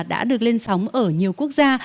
đã được lên sóng ở nhiều quốc gia